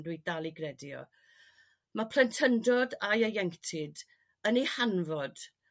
rwy dal i gredu o ma' plentyndod a ieuenctid yn eu hanfod